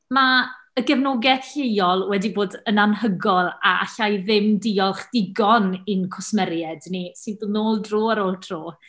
Mae y gefnogaeth lleol wedi bod yn anhygoel, a alla i ddim diolch digon i'n cwsmeriaid ni sy'n dod nôl dro ar ôl tro.